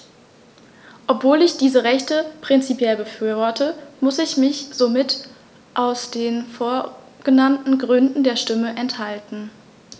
Obwohl ich diese Rechte prinzipiell befürworte, musste ich mich somit aus den vorgenannten Gründen der Stimme enthalten.